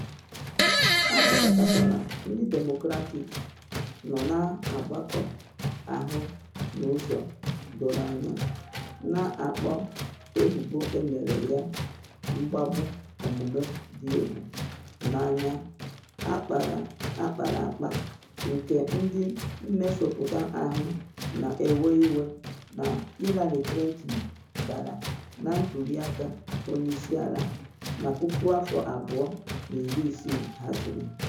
Ọ kọtọkwara ndị Demokrat nọ n’ọgbakọ ahụ n’ụzọ doro anya, na akpọ ebubo emere ya “mgbagbu omume dị egwu n’anya, akpara akpa” nke ndị mmesapụ ahụ na ewe iwe na Hillary Clinton dara na ntuli aka onye isi ala 2016 haziri.